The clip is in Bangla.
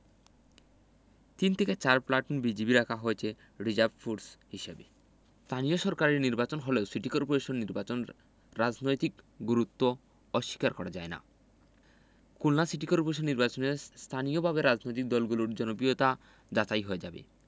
তিন থেকে চার প্লাটুন বিজিবি রাখা হয়েছে রিজার্ভ ফোর্স হিসেবে স্থানীয় সরকারের নির্বাচন হলেও সিটি করপোরেশন নির্বাচনে রাজনৈতিক গুরুত্ব অস্বীকার করা যায় না খুলনা সিটি করপোরেশন নির্বাচনের স্থানীয়ভাবে রাজনৈতিক দলগুলোর জনপ্রিয়তা যাচাই হয়ে যাবে